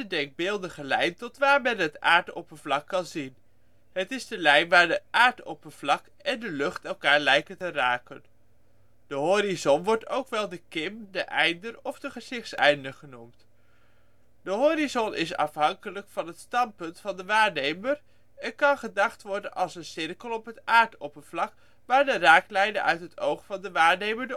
denkbeeldige lijn tot waar men het aardoppervlak kan zien. Het is de lijn waar het aardoppervlak en de lucht elkaar lijken te raken. De horizon wordt ook wel de kim, de einder of de gezichtseinder genoemd. De horizon is afhankelijk van het standpunt van de waarnemer en kan gedacht worden als een cirkel op het aardoppervlak waar de raaklijnen uit het oog van de waarnemer